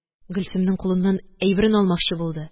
Гөлсемнең кулыннан әйберен алмакчы булды